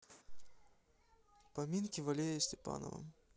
поминки валерия степанова